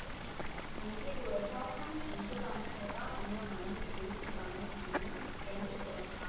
경기도에서 한 종교단체가 운영하는 교육기관에 다니는 앤이 그렇다